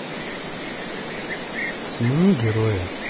смени героя